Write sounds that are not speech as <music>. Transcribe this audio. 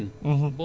<hesitation> <hesitation>